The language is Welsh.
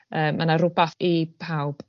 yy ma' 'na rwbath i pawb.